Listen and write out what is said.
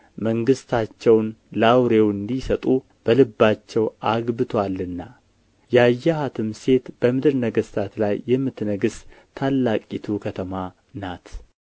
መንግሥታቸውን ለአውሬው እንዲሰጡ በልባቸው አግብቶአልና ያየሃትም ሴት በምድር ነገሥታት ላይ የምትነግሥ ታላቂቱ ከተማ ናት